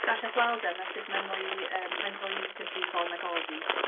Gallwch weld yma sut mae'n mwy, yym, mae'n fwy difrifol nag Aussie.